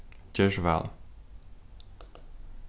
ger so væl